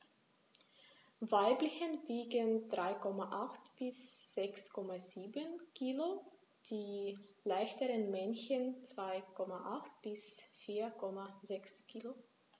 Weibchen wiegen 3,8 bis 6,7 kg, die leichteren Männchen 2,8 bis 4,6 kg.